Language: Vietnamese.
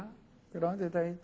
cái đó thì thấy